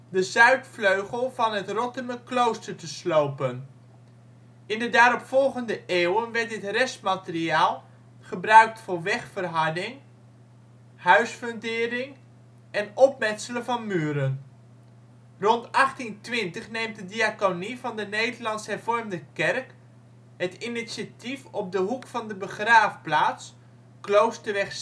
de zuidvleugel van het Rottumerklooster te slopen. In de daaropvolgende eeuwen werd dit restmateriaal gebruikt voor wegverharding, huisfundering en opmetselen van muren. Rond 1820 neemt de diaconie van de Nederlands Hervormde Kerk het initiatief op de hoek van de begraafplaats (Kloosterweg